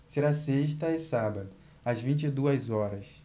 será sexta e sábado às vinte e duas horas